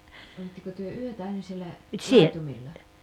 olitteko te yötä aina siellä laitumilla